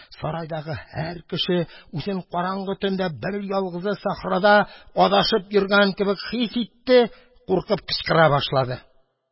Сарайдагы һәр кеше үзен караңгы төндә берьялгызы сахрада адашып йөргән кебек хис итте, куркып кычкыра башлады.